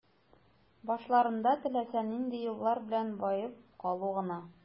Башларында теләсә нинди юллар белән баеп калу гына.